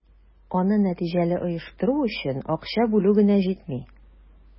Аны нәтиҗәле оештыру өчен акча бүлү генә җитми.